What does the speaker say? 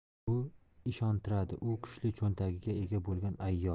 u ishontiradi u kuchli cho'ntagiga ega bo'lgan ayyor